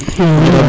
amin